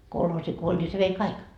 kolhoosi kun oli niin se vei kaikki